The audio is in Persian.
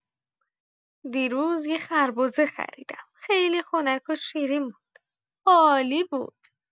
دیروز یه خربزه خریدم، خیلی خنک و شیرین بود، عالی بود!